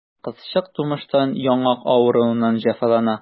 Кызчык тумыштан яңак авыруыннан җәфалана.